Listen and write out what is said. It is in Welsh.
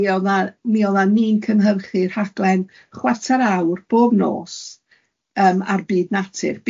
A mi odda mi odda ni'n cynhyrchu rhaglen chwartar awr bob nos yym ar byd natur.